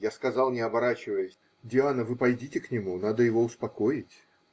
Я сказал, не оборачиваясь: -- Диана, вы пойдите к нему, надо его успокоить.